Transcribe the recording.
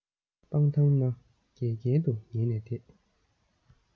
སྤང ཐང ན གན རྐྱལ དུ ཉལ ནས བསྡད